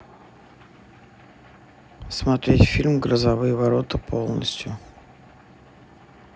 смотреть фильм грозовые ворота полностью